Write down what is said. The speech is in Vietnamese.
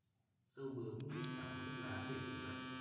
sâu bướm biết nhả khói thuốc lá để tự vệ